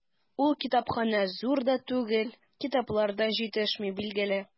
Ул китапханә зур да түгел, китаплар да җитешми, билгеле.